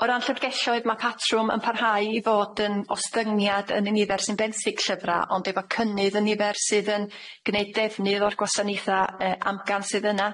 O ran llyfrgelloedd ma' patrwm yn parhau i fod yn ostyngiad yn y nifer sy'n benthyg llyfra ond efo cynnydd yn nifer sydd yn gneud defnydd o'r gwasaneutha yy amgan sydd yna